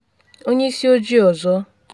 Onye isi ojii ọzọ?!